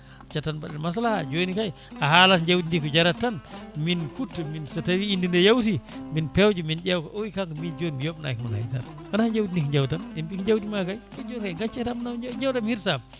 a accat tan mbaɗen maslaha joni kayi a haalat jawdi ko jarata tan min kutta so tawi inde nde yawti min pewja min ƴeewa o wi kanko min joni mi yonaki moon haydara wona jawdi ndi ko jawdam ɓe mbi ko jawdima kayi o wii joni ay gacce tan mi nawa jawdam jawdam hirsama